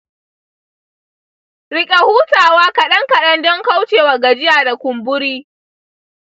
rika hutawa kaɗan-kaɗan don kauce wa gajiya da kumburi.